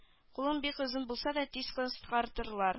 Кулың бик озын булса тиз кыскартырлар